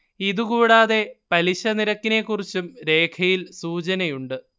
ഇതുകൂടാതെ പലിശ നിരക്കിനെക്കുറിച്ചും രേഖയിൽ സൂചനയുണ്ട്